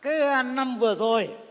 cái ơ năm vừa rồi